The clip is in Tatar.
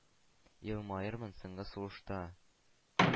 Елмаермын соңгы сулышта».